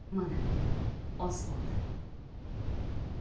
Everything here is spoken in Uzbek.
mana oz qoldi